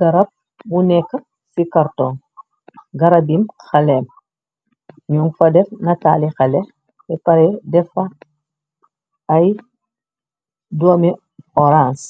Garab bu nekk ci karton. Garabim xaleem, ñun fa def nataali xale, te pare defa ay doomi orans,